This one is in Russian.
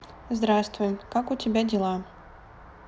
здравствуй как у тебя дела